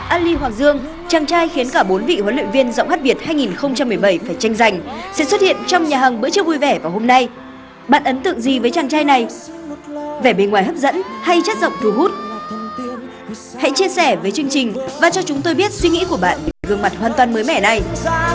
a li hoàng dương chàng trai khiến cả bốn vị huấn luyện viên giọng hát việt hai nghìn không trăm mười bảy phải tranh giành sẽ xuất hiện trong nhà hàng bữa trưa vui vẻ ngày hôm nay bạn ấn tượng gì với chàng trai này vẻ bề ngoài hấp dẫn hay chất giọng thu hút hãy chia sẻ với chương trình và cho chúng tôi biết suy nghĩ của bạn những gương mặt hoàn toàn mới mẻ này